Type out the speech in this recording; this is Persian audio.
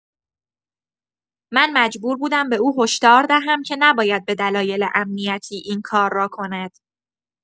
من مجبور بودم به او هشدار دهم که نباید به دلایل امنیتی این کار را کند.